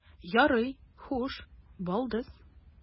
Ярый, хуш, балдыз.